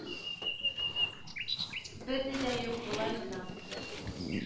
Берни дә юк болай гына